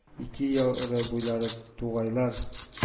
Ике яры буйлары тугайлар